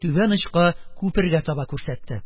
Түбән очка, күпергә таба күрсәтте.